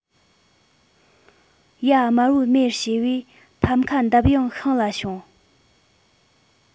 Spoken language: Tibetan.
ཡ དམར པོའི མེར བྱས པས ཕམ ཁ འདབ ཡངས ཤིང ལ བྱུང